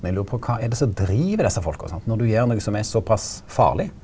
eg lurer på kva er det som driv desse folka sant når du gjer noko som er såpass farlig.